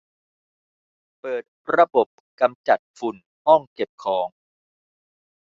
เปิดระบบกำจัดฝุ่นห้องเก็บของ